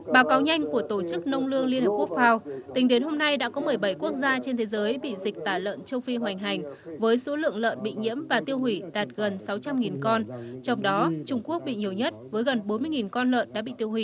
báo cáo nhanh của tổ chức nông lương liên hợp quốc phao tính đến hôm nay đã có mười bảy quốc gia trên thế giới bị dịch tả lợn châu phi hoành hành với số lượng lợn bị nhiễm và tiêu hủy đạt gần sáu trăm nghìn con trong đó trung quốc bị nhiều nhất với gần bốn mươi nghìn con lợn đã bị tiêu hủy